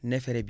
neefere bi